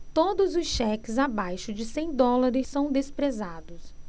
todos os cheques abaixo de cem dólares são desprezados